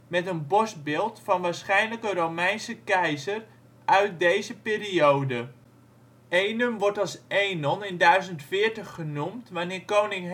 met een borstbeeld van waarschijnlijk een Romeinse keizer uit de deze periode. Eenum wordt als Enon in 1040 genoemd wanneer koning Hendrik